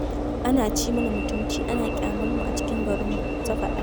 Ana ci mana mutunci ana ƙyamarmu a cikin garinmu, ta faɗa.